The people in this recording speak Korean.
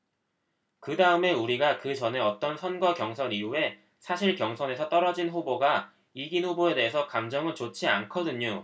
그다음에 우리가 그 전에 어떤 선거 경선 이후에 사실 경선에서 떨어진 후보가 이긴 후보에 대해서 감정은 좋지 않거든요